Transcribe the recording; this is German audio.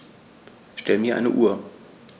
Stell mir eine Uhr.